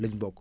lañ bokk